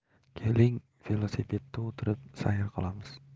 keling velosipedda o'tirib sayr qilamiz